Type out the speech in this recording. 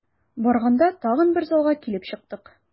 Барганда тагын бер залга килеп чыктык.